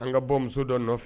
An ka bɔ muso dɔ nɔfɛ